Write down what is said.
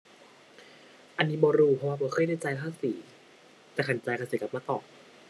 อันนี้บ่รู้ เพราะว่าบ่เคยได้จ่ายภาษี แต่คันจ่ายก็สิกลับมาตอบ